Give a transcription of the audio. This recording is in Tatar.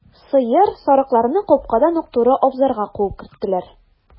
Сыер, сарыкларны капкадан ук туры абзарга куып керттеләр.